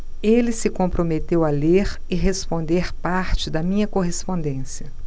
ele se comprometeu a ler e responder parte da minha correspondência